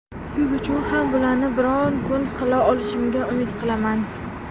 siz uchun ham bularni biror kun qila olishimga umid qilaman